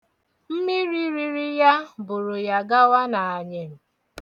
Mmiri riri ya buru ya gawa n'anyịm.